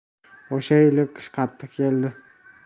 o'sha yili qish qattiq keldi